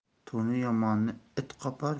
to'ni yomonni it qopar